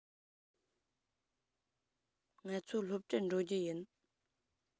ང ཚོ སློབ གྲྭར འགྲོ རྒྱུ ཡིན